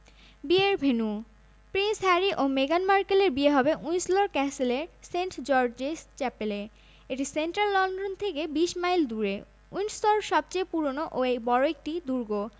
Saint George চ্যাপেলের দক্ষিণ দিকের দরজা দিয়ে প্রবেশ করবেন তাঁরা রাজপরিবারের সদস্যরা অনুষ্ঠান স্থলে সবশেষে হাজির হবেন